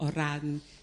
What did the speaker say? o ran